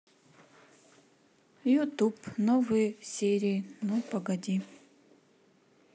ютуб новые серии ну погоди